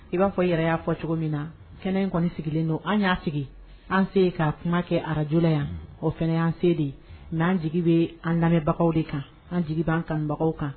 I b'a fɔ yɛrɛ y'a fɔ cogo min na kɛnɛ in kɔni sigilen don an y'a sigi an se ka kuma kɛ arajula yan o fana anse de n'an jigi bɛ an lamɛnbagaw de kan an jigi' an kanbagaw kan